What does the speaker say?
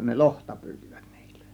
ne lohta pyysivät niillä